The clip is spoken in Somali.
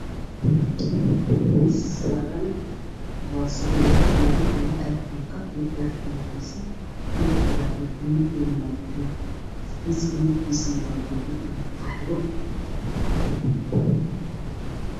Miis saaran boorsada lagu keeno dhagaha ayfoonka iyo ayfoonkiisa iyo jaajarkiisa midabkoodana waa gaduud miiska midabkiisa waa gaduud iyo qaxwo.